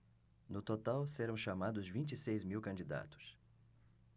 no total serão chamados vinte e seis mil candidatos